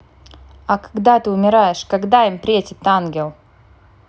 а когда ты умираешь когда им претит ангел